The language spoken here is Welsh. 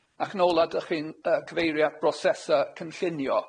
Ac yn ola, dach chi'n yy cyfeirio at brosesa cynllunio.